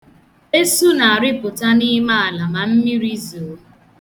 Esu na-arịpụta n'ime ala ma mmiri zoo.